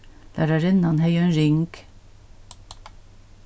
lærarinnan hevði ein ring